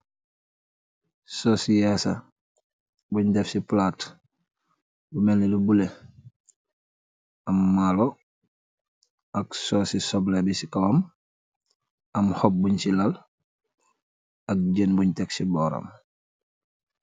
Saucii yaasa bungh deff ci platt, melni lu bleu, am maalor ak sauce sobleh bii c kawam, am hohpp bungh ci lal ak jeun bungh tek ci bohram.